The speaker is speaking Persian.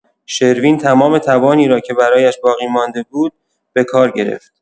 شروین تمام توانی را که برایش باقی‌مانده بود، به‌کار گرفت.